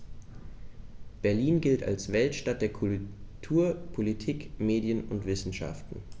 Berlin gilt als Weltstadt der Kultur, Politik, Medien und Wissenschaften.